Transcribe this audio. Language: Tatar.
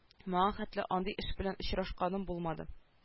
Моңа хәтле андый эш белән очрашканым булмады